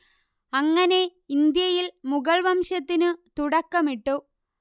അങ്ങനെ ഇന്ത്യയിൽ മുഗൾവംശത്തിനു തുടക്കമിട്ടു